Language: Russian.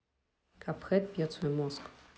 капхед пьет свой мозг